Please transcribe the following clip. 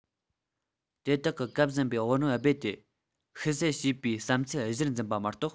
དེ དག གི བཀབ ཟིན པའི བང རིམ རྦད དེ བཤུ ཟད བྱས པའི བསམ ཚུལ གཞིར འཛིན པ མ གཏོགས